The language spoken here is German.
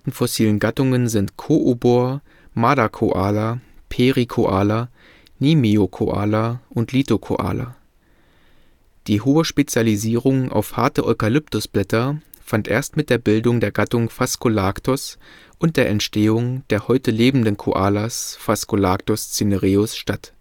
fossilen Gattungen (Koobor, Madakoala, Perikoala, Nimiokoala und Litokoala) baumbewohnende Laubfresser waren, die sich von eher weicher Pflanzenkost ernährten. Die hohe Spezialisierung auf harte Eykalyptus-Blätter fand erst mit der Bildung der Gattung Phascolarctos und der Entstehung der heute lebenden Koalas (Phascolarctos cinereus) statt